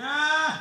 A